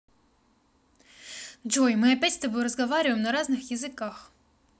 джой мы опять с тобой разговариваем на разных языках